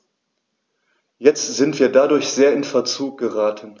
Jetzt sind wir dadurch sehr in Verzug geraten.